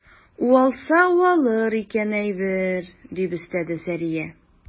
Уалса уалыр икән әйбер, - дип өстәде Сәрия.